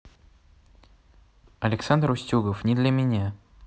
александр устюгов не для меня